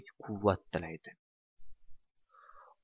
quvvat tilaydi